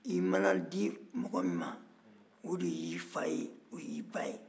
i mana di mɔgɔ min ma o de y'i fa ye o y'i ba ye